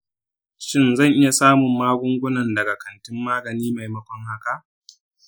shin zan iya samun magungunan daga kantin magani maimakon haka?